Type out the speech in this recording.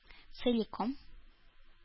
Целиком